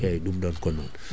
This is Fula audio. eyyi ɗum ɗon ko non